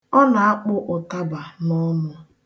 Ọ na-akpụ ụtaba n'ọnụ ya.